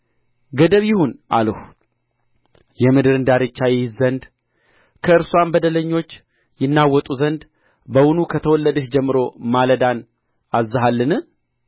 ገደብ ይሁን አልሁ የምድርን ዳርቻ ይይዝ ዘንድ ከእርስዋም በደለኞች ይናወጡ ዘንድ በውኑ ከተወለድህ ጀምሮ ማለዳን አዝዘሃልን